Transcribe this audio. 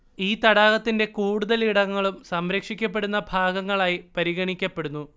ഈ തടാകത്തിന്റെ കൂടുതൽ ഇടങ്ങളും സംരക്ഷിക്കപ്പെടുന്ന ഭാഗങ്ങളായി പരിഗണിക്കപ്പെടുന്നു